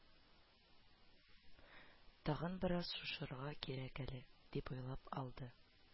«тагын бераз шуышырга кирәк әле», – дип уйлап алды